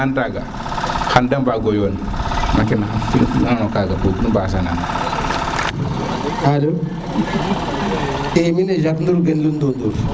xan te manga yoon i ando kaga boog nu mbasa naam